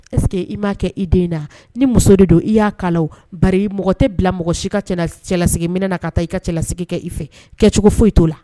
Ɛseke i m'a kɛ i den na ni muso de don i y'a ba i mɔgɔ tɛ bila mɔgɔ si ka cɛlasigi min na ka taa i ka cɛlasigi kɛ i fɛ kɛcogo foyi i t'o la